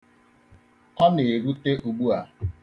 Ọ na-erute ugbua.